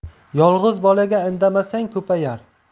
yolg'iz bolaga indamasang ko'payar